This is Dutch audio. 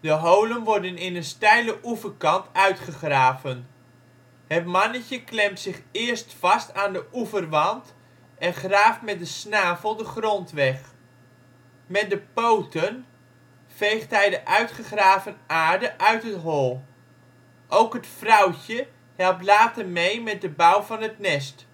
holen worden in een steile oeverkant uitgegraven. Het mannetje klemt zich eerst vast aan de oeverwand en graaft met de snavel de grond weg. Met de poten veegt hij de uitgegraven aarde uit het hol. Ook het vrouwtje helpt later mee met de bouw van het nest